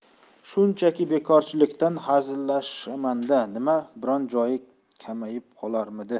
shunchaki bekorchilikdan hazillashamanda nima biron joyi kamayib qolarmidi